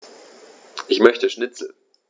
Ich möchte Schnitzel.